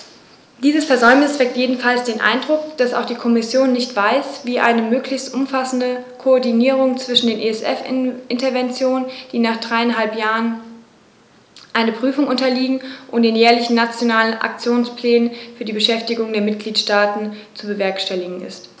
Dieses Versäumnis weckt jedenfalls den Eindruck, dass auch die Kommission nicht weiß, wie eine möglichst umfassende Koordinierung zwischen den ESF-Interventionen, die nach dreieinhalb Jahren einer Prüfung unterliegen, und den jährlichen Nationalen Aktionsplänen für die Beschäftigung der Mitgliedstaaten zu bewerkstelligen ist.